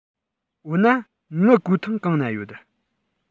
འོ ན ངའི གོས ཐུང གང ན ཡོད